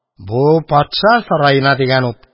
Бу — патша сараена дигән ут.